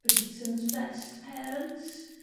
Britain's Best Parents